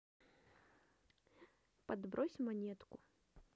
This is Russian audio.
подбрось монетку